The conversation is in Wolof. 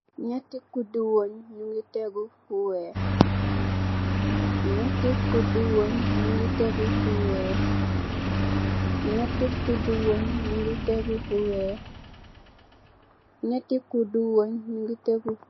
Ñetti kuddi weñ ñugii tégu fu wèèx .